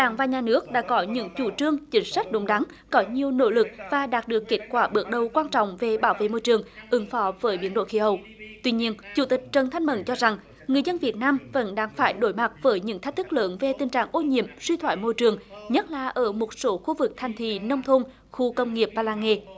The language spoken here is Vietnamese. đảng và nhà nước đã có những chủ trương chính sách đúng đắn có nhiều nỗ lực và đạt được kết quả bước đầu quan trọng về bảo vệ môi trường ứng phó với biến đổi khí hậu tuy nhiên chủ tịch trần thanh mẫn cho rằng người dân việt nam vẫn đang phải đối mặt với những thách thức lớn về tình trạng ô nhiễm suy thoái môi trường nhất là ở một số khu vực thành thị nông thôn khu công nghiệp và làng nghề